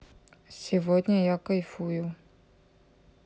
сегодня я кайфую